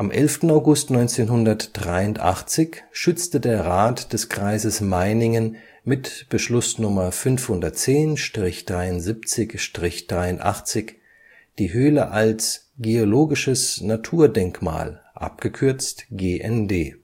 11. August 1983 schützte der Rat des Kreises Meiningen mit Beschluss Nummer 510/73/83 die Höhle als Geologisches Naturdenkmal (GND